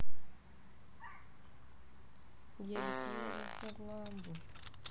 гелик врезался в ламбу